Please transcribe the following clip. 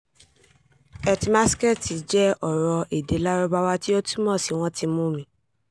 Etmasakt jẹ́ ọ̀rọ̀ èdè Lárúbáwá tí ó túmọ̀ sí "Wọ́n ti mú mi".